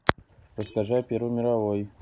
расскажи о первой мировой